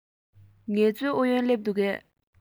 ངལ རྩོལ ཨུ ཡོན སླེབས འདུག གས